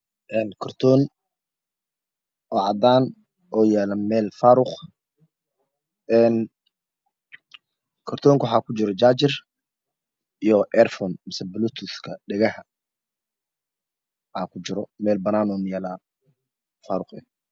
Een katroon cadaan ah waxa uuna yaalaa meel banan ah kartoonka waxa ku dhexjiro jaajar iyo dhagaha ama bluethooth ka waxa uuna yaalaaa meel banaan ah